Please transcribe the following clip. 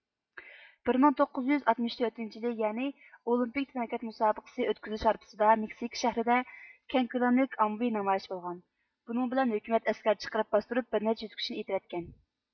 بىر مىڭ توققۇز يۈز ئاتمىش تۆتىنچى يىلى يەنى ئولىمپېك تەنھەرىكەت مۇسابىقىسى ئۆتكۈزۈلۈش ھارپىسىدا مېكسىكا شەھىرىدە كەڭ كۆلەملىك ئاممىۋى نامايىش بولغان بۇنىڭ بىلەن ھۆكۈمەت ئەسكەر چىقىرىپ باستۇرۇپ بىر نەچچە يۈز كىشىنى ئېتىۋەتكەن